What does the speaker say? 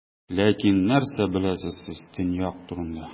Ләкин нәрсә беләсез сез Төньяк турында?